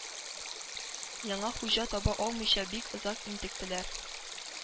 Яңа хуҗа таба алмыйча бик озак интектеләр.